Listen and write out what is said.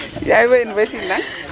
yaay boy in mbay simnang